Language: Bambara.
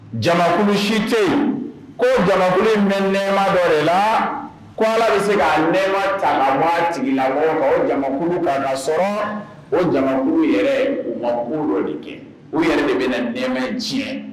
Jamakulu si tɛ yen ko jamakulu bɛ nɛma dɔ de la ko ala bɛ se ka nɛma cɛla ma jigin la walima o jamakulu ka sɔrɔ o jamakulu yɛrɛ u ma dɔ de kɛ u yɛrɛ de bɛ nɛmɛ tiɲɛ